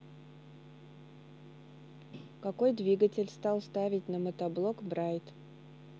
какой двигатель стал ставить на мотоблок брайт